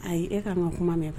Ayi e ka kuma min fɛ